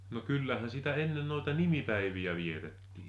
no kyllähän sitä ennen noita nimipäiviä vietettiin